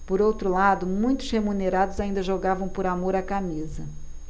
por outro lado muitos remunerados ainda jogavam por amor à camisa